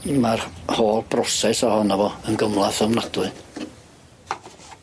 Mm ma'r whole broses ohonno fo yn gymlath ofnadwy.